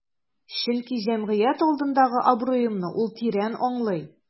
Чөнки җәмгыять алдындагы абруемны ул тирән аңлый.